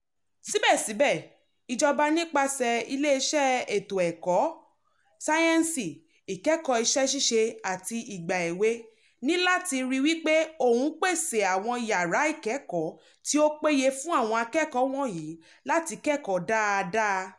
Síbẹ̀síbẹ̀, ìjọba nípasẹ̀ Ilé Iṣẹ́ Ètò Ẹ̀kọ́, Sáyẹ́ǹsì, Ìkẹ́kọ̀ọ́ Iṣẹ́-ṣíṣe àti Ìgbà Èwe ní láti ríi wípé òun pèsè àwọn yàrá ìkẹ́kọ̀ọ́ tí ó péye fún àwọn akẹ́kọ̀ọ́ wọ̀nyí láti kẹ́kọ̀ọ́ dáadáa.